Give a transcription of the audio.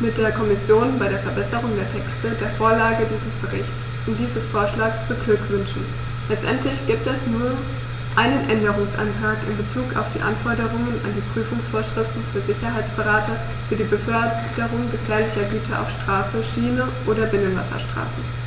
mit der Kommission bei der Verbesserung der Texte, der Vorlage dieses Berichts und dieses Vorschlags beglückwünschen; letztendlich gibt es nur einen Änderungsantrag in bezug auf die Anforderungen an die Prüfungsvorschriften für Sicherheitsberater für die Beförderung gefährlicher Güter auf Straße, Schiene oder Binnenwasserstraßen.